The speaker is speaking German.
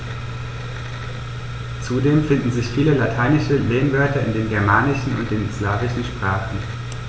Zudem finden sich viele lateinische Lehnwörter in den germanischen und den slawischen Sprachen.